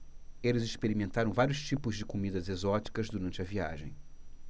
eles experimentaram vários tipos de comidas exóticas durante a viagem